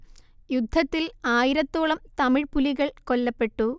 യുദ്ധത്തിൽ ആയിരത്തോളം തമിഴ് പുലികൾ കൊല്ലപ്പെട്ടു